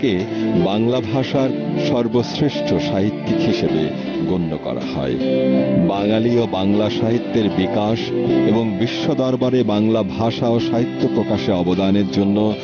বাংলা ভাষার সর্বশ্রেষ্ঠ সাহিত্যিক হিসেবে গণ্য করা হয় বাঙালী ও বাঙলা সাহিত্যের বিকাশ এবং বিশ্ব দরবারে বাংলা ভাষা ও সাহিত্য প্রকাশে অবদানের জন্য